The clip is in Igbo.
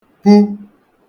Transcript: pu-